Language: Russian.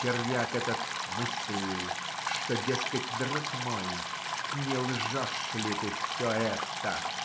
Червяк этот - мысль: что, дескать, друг мой, не лжешь ли ты все это?